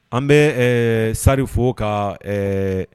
An be sari fo ka ee